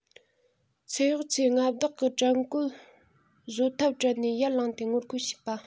ཚེ གཡོག ཚོས མངའ བདག གི བྲན བཀོལ བཟོད ཐབས བྲལ ནས ཡར ལངས ཏེ ངོ རྒོལ བྱེད པ